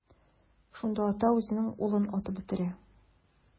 Шунда ата үзенең улын атып үтерә.